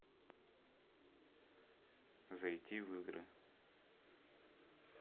зайти в игры